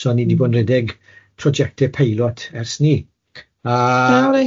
So ni 'di bod 'n redeg projecte peilot ers 'ny a... O reit...